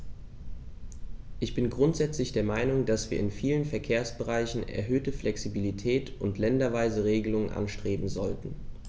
Ich bin grundsätzlich der Meinung, dass wir in vielen Verkehrsbereichen erhöhte Flexibilität und länderweise Regelungen anstreben sollten.